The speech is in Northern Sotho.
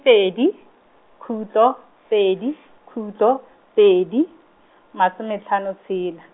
pedi, khutlo, pedi, khutlo, pedi, masome hlano tshela.